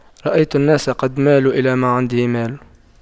رأيت الناس قد مالوا إلى من عنده مال